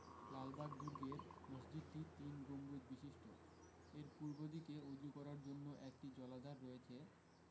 লালবাগ দুর্গের মসজিদটি তিন গম্বুজ বিশিষ্ট এর পূর্বদিকে ওজু করার জন্য একটি জলাধার রয়েছে